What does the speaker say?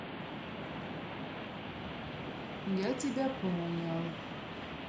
я тебя понял